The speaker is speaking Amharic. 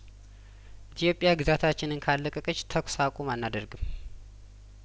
ኢትዮጵያ ግዛታችንን ካለቀቀች ተኩስ አቁም አና ደርግም